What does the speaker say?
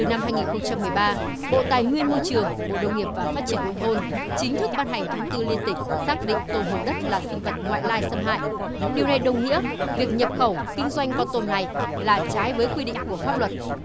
từ năm hai nghìn không trăm mười ba bộ tài nguyên môi trường bộ nông nghiệp và phát triển nông thôn chính thức ban hành thông tư liên tịch xác định tôm hùm đất là sinh vật ngoại lai xâm hại điều này đồng nghĩa việc nhập khẩu kinh doanh con tôm này là trái với quy định của pháp luật